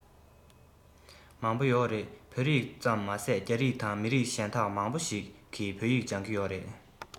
མང པོ ཡོད རེད བོད རིགས ཙམ མ ཟད རྒྱ རིགས དང མི རིགས གཞན དག མང པོ ཞིག གིས བོད ཡིག སྦྱང གི ཡོད རེད